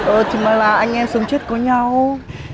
ờ thì mà là anh em sống chết có nhau